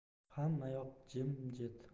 hammayoq jimjit